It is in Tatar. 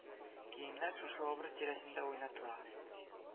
Киемнәр шушы образ тирәсендә уйнатыла